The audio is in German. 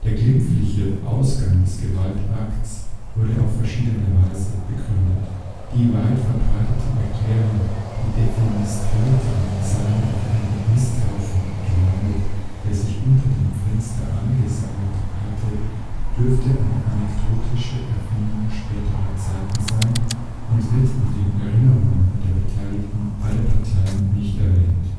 glimpfliche Ausgang des Gewaltakts wurde auf verschiedene Weise begründet. Die weitverbreitete Erklärung, die Defenestrierten seien auf einem Misthaufen gelandet, der sich unter dem Fenster angesammelt hatte, dürfte eine anekdotische Erfindung späterer Zeiten sein und wird in den Erinnerungen der Beteiligten beider Parteien nicht erwähnt